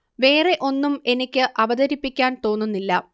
വേറെ ഒന്നും എനിക്ക് അവതരിപ്പിക്കാൻ തോന്നുന്നില്ല